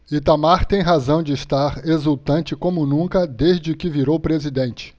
itamar tem razão de estar exultante como nunca desde que virou presidente